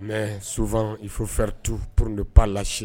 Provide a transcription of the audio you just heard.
Mɛ so2ffɛ pur dep lasesi